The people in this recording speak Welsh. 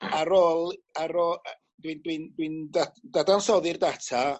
ar ôl ar ô- yy dwi dwi'n dwi'n dad- dadansoddi'r data